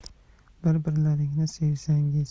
bir birlaringni sevsangiz